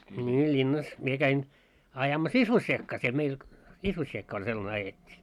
niin linnassa minä kävin ajamassa isvossiekkaa siellä meillä isvossiekkaa oli sellainen ajettiin